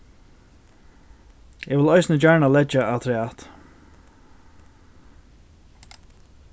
eg vil eisini gjarna leggja afturat